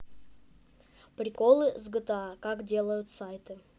приколы с gta как делают сайты